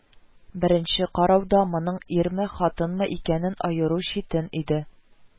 Беренче карауда моның ирме, хатынмы икәнен аеру читен иде